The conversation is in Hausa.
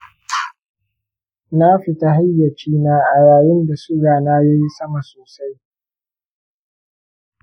na fita hayacina a yayin da suga na yayi sama sosai.